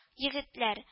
Егетләр